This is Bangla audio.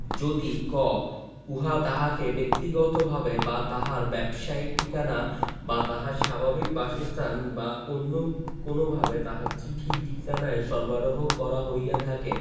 যদি ক উহা তাহাকে বক্তিগতভাবে বা তাহার ব্যবসায়িক ঠিকানা বা তাহার স্বাভাবিক বাসস্থান বা অন্য কোনভাবে তাহার চিঠির ঠিকানায় সরবরাহ করা হইয়া থাকে